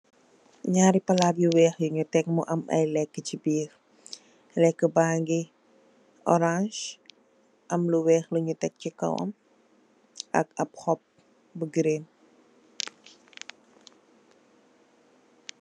Nyarri palati weex yunye tek mungi am aye lekuh si birr lekuh bange orange amna lu weex lunye tek si kawam ak ap khop bu green